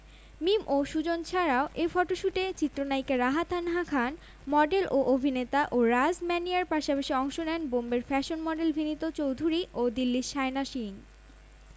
যিনি কলকাতার রাজা চন্দের বেপরোয়া ছবিতে খল অভিননেতা হিসেবে আলোচনায় এসেছেন যদিও ছবিটি মুক্তি পায়নি এই ছবিতে মূখ